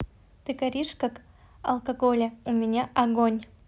ты горишь ка алкоголя у меня агонь